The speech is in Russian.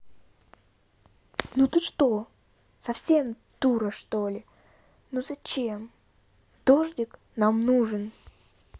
ну ты что совсем дура что ли ну зачем дождик нам нужен